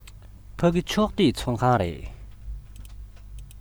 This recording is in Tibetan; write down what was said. ཕ གི ཕྱོགས བསྡུས ཚོགས ཁང རེད